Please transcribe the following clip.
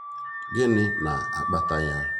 Gịnị na-akpata ya?